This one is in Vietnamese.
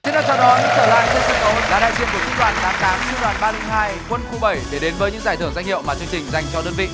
chúng ta chào đón trở lại trên sân khấu là đại diện của trung đoàn tám tám sư đoàn ba linh hai quân khu bảy để đến với những giải thưởng danh hiệu mà chương trình dành cho đơn vị